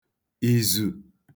ìzù